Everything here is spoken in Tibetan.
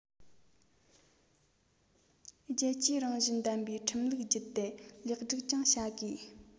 རྒྱལ སྤྱིའི རང བཞིན ལྡན པའི སྒྲིག ལམ བརྒྱུད དེ ལེགས སྒྲིག ཀྱང བྱ དགོས